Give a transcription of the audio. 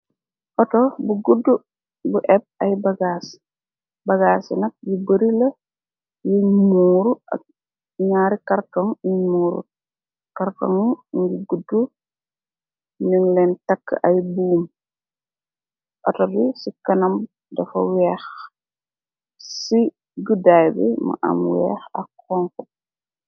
Auto bu gudu bu epp ay bagaas, bagassi nak yu bari la, ying murr ak njaari karton yin murrut, karton mungi gudu, njung lehn takkue ay boum, autoh bi ci kanam dafa weex, ci guddaay bi mu am weex ak honhu.